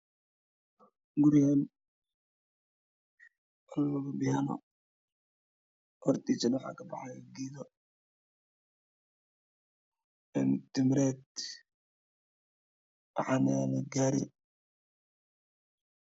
Gurigaan waa laba biyaano hortiisana waxa kabaxayo geedo timireed waxana yaalo gaari